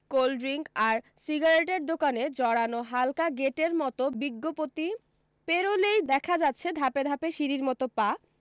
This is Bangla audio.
কোলড্রিঙ্ক আর সিগারেটের দোকানে জড়ানো হালকা গেটের মতো বিজ্ঞপতি পেরোলেই দেখা যাচ্ছে ধাপে ধাপে সিঁড়ির মতো পা